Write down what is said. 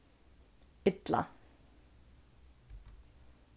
illa